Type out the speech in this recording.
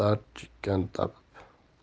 dard chekkan tabib